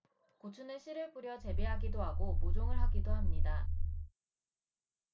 고추는 씨를 뿌려서 재배하기도 하고 모종을 하기도 합니다